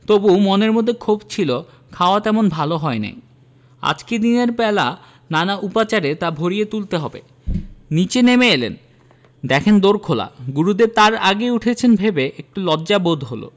তবু মনের মধ্যে ক্ষোভ ছিল খাওয়া তেমন ভাল হয় নাই আজ দিনের বেলা নানা উপচারে তা ভরিয়ে তুলতে হবে নীচে নেমে এলেন দেখেন দোর খোলা গুরুদেব তাঁর আগে উঠেছেন ভেবে একটু লজ্জা বোধ হলো